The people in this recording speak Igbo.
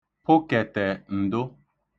pụkẹ̀tẹ̀ (ǹdụ)